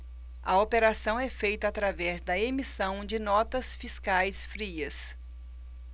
a operação é feita através da emissão de notas fiscais frias